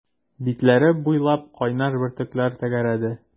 Битләре буйлап кайнар бөртекләр тәгәрәде.